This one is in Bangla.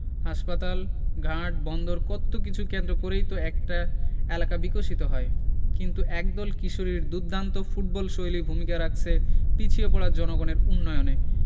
হাসপাতাল ঘাটবন্দর কত্ত কিছু কেন্দ্র করেই তো একটা এলাকা বিকশিত হয় কিন্তু একদল কিশোরীর দুর্দান্ত ফুটবলশৈলী ভূমিকা রাখছে পিছিয়ে পড়া জনগনের উন্নয়নে